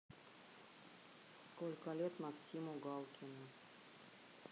сколько лет максиму галкину